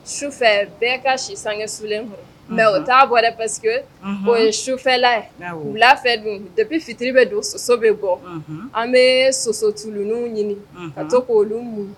Sufɛ bɛɛ ka si sange sulen kɔrɔ mais o t'a bɔ dɛ parce que unhun, o ye sufɛla ye, awɔ, wulafɛ dun depuis fitiri bɛ don soso tuluninw ɲini ka to k'olu mun